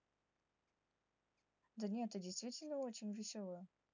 да нет ты действительно очень веселая